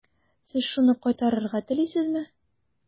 Сез шуны кайтарырга телисезме?